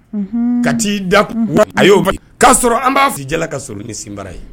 Ka t'i da a y' k'a sɔrɔ an b'a fi ijala ka sourun ni sinba ye